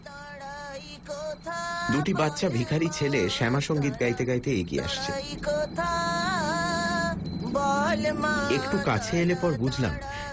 দুটি বাচ্চা ভিখারি ছেলে শ্যামাসংগীত গাইতে গাইতে এগিয়ে আসছে একটু কাছে এলে পরে বুঝলাম